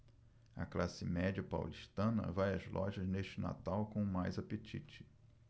a classe média paulistana vai às lojas neste natal com mais apetite